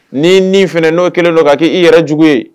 N'i ni fana n'o kɛlen don ka kɛ i yɛrɛ jugu ye.